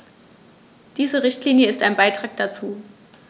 Diese Richtlinie ist ein Beitrag dazu.